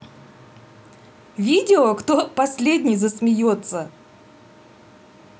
видео кто последний засмеется